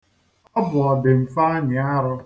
Ọ bụ ọ dị mfe anyị arọ